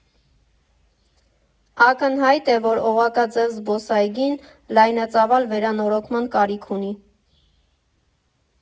Ակնհայտ է, որ Օղակաձև զբոսայգին լայնածավալ վերանորոգման կարիք ունի։